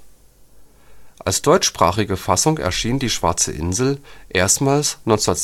deutschsprachige Fassung erschien „ Die Schwarze Insel “erstmals 1956